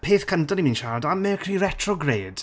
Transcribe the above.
Peth cynta ni mynd i siarad am Mercury retrograde.